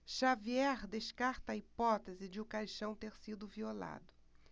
xavier descarta a hipótese de o caixão ter sido violado